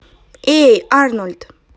эй арнольд